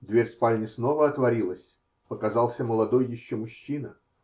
Дверь спальни снова отворилась; показался молодой еще мужчина.